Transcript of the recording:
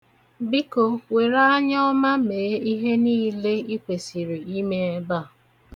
Biko were anyọọma mee ihe niile i kwesịrị ime ebe a.